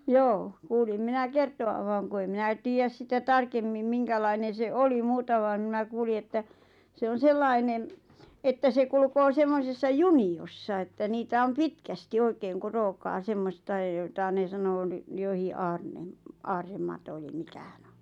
joo kuulin minä kertovan vaan kun ei minä tiedä sitä tarkemmin minkälainen se oli muuta vaan minä kuulin että se on sellainen että se kulkee semmoisessa juniossa että niitä on pitkästi oikein kun rookaa semmoista ja jota ne sanoo niin jokin - aarremato eli mikä hän on